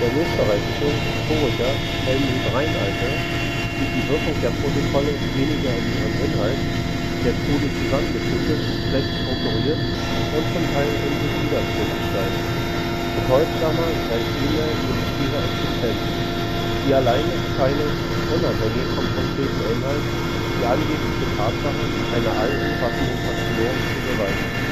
österreichische Historiker Helmut Reinalter sieht die Wirkung der Protokolle weniger in ihrem Inhalt, der krude zusammengestückelt, schlecht strukturiert und zum Teil in sich widersprüchlich sei. Bedeutsamer sei vielmehr ihre schiere Existenz: Sie allein scheine, unabhängig vom konkreten Inhalt, die angebliche Tatsache einer allumfassenden Verschwörung zu beweisen